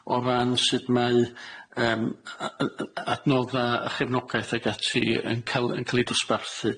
o ran sud mae yym yy y- y- adnodda' a chefnogaeth ag ati yn ca'l yn ca'l 'i dosbarthu.